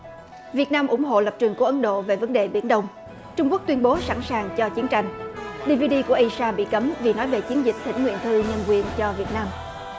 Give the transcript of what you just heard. việt nam ủng hộ lập trường của ấn độ về vấn đề biển đông trung quốc tuyên bố sẵn sàng cho chiến tranh đi vi đi của ây sa bị cấm vì nói về chiến dịch thỉnh nguyện thư nhân quyền cho việt nam